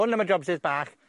Hwn am y jobsys bach,